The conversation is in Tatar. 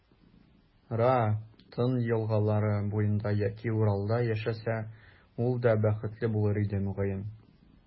Ра, Тын елгалары буенда яки Уралда яшәсә, ул да бәхетле булыр иде, мөгаен.